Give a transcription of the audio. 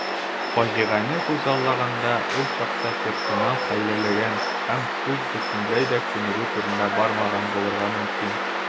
Фаҗигане күзаллаганда, ул чакта персонал хәйләләгән һәм сүз бөтенләй дә күнегү турында бармаган булырга мөмкин.